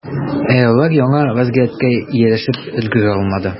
Ә алар яңа вәзгыятькә ияләшеп өлгерә алмады.